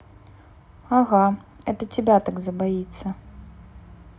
ага это тебя так забоится